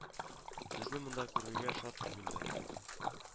Безне монда күрергә шат түгелләр